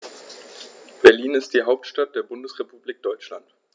Berlin ist die Hauptstadt der Bundesrepublik Deutschland.